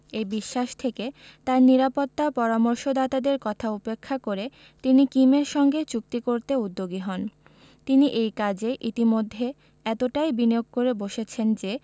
এই বিশ্বাস থেকে তাঁর নিরাপত্তা পরামর্শদাতাদের কথা উপেক্ষা করে তিনি কিমের সঙ্গে চুক্তি করতে উদ্যোগী হন তিনি এই কাজে ইতিমধ্যে এতটাই বিনিয়োগ করে বসেছেন যে